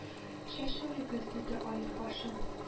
— чәчелегез! — диде өер башы